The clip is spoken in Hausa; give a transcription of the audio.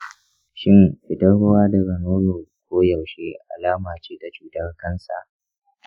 shin fitar ruwa daga nono koyaushe alama ce ta cutar kansa?